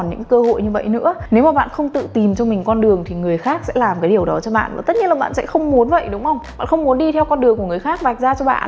những cơ hội như vậy nữa nếu như mà bạn không tự tìm cho mình con đường thì người khác sẽ làm cái điều đó cho bạn và tất nhiên là bạn sẽ không muốn vậy đúng không bạn không muốn đi theo con đường của người khác vạch ra cho bạn